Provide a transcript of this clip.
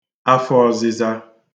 afọ ozịzā